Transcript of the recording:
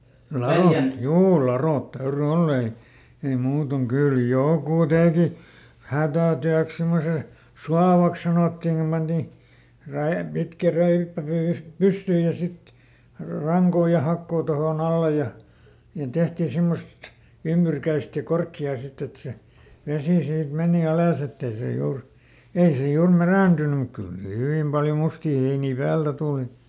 ladot juu ladot täytyi olla ei ei muuten kyllä joku teki hätätyöksi semmoisen suovaksi sanottiin kun pantiin - pitkä räippä - pystyyn ja sitten rankaa ja hakaa tuohon alle ja niin tehtiin semmoista ymmyrkäistä ja korkeaa sitten että se vesi siitä meni alas että ei se juuri ei se juuri mädäntynyt mutta kyllä siinä hyvin paljon mustia heiniä päältä tuli